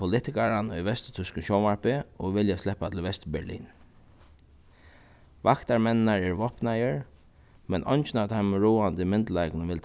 politikaran í vesturtýskum sjónvarpi og vilja sleppa til vesturberlin vaktarmenninar eru vápnaðir men eingin av teimum ráðandi myndugleikunum vil